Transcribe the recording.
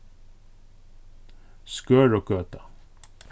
skørugøta